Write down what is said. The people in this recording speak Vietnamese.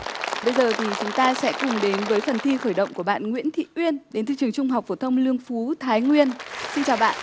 bây giờ thì chúng ta sẽ cùng đến với phần thi khởi động của bạn nguyễn thị uyên đến từ trưởng trung học phổ thông lương phú thái nguyên xin chào bạn